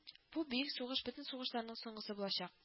Бу бөек сугыш бөтен сугышларның, соңгысы булачак